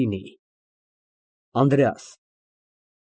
Լռություն)։ ԲԱԳՐԱՏ ֊ (Շփոթված, չգիտե ինչ անե)։